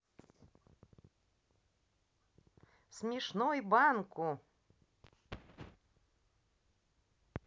смешной банку